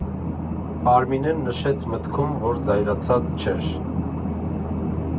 Արմինեն նշեց մտքում, որ զայրացած չէր։